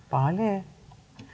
Barley?